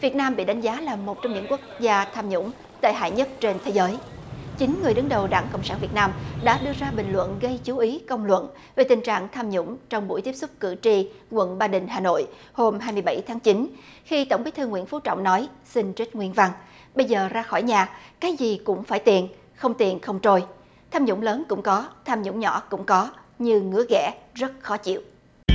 việt nam bị đánh giá là một trong những quốc gia tham nhũng tệ hại nhất trên thế giới chính người đứng đầu đảng cộng sản việt nam đã đưa ra bình luận gây chú ý công luận về tình trạng tham nhũng trong buổi tiếp xúc cử tri quận ba đình hà nội hôm hai mươi bảy tháng chín khi tổng bí thư nguyễn phú trọng nói xin trích nguyên văn bây giờ ra khỏi nhà cái gì cũng phải tiền không tiền không trôi tham nhũng lớn cũng có tham nhũng nhỏ cũng có như ngứa ghẻ rất khó chịu